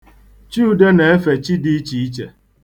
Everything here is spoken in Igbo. Chude na-efe chi dị iche iche.